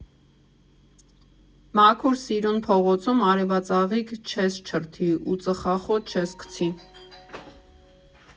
Մաքուր, սիրուն փողոցում արևածաղիկ չես չրթի ու ծխախոտ չես գցի։